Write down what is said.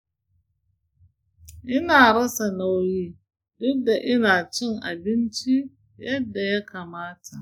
ina rasa nauyi duk da ina cin abinci yadda ya kamata.